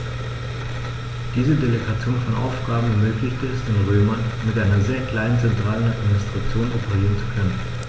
Diese Delegation von Aufgaben ermöglichte es den Römern, mit einer sehr kleinen zentralen Administration operieren zu können.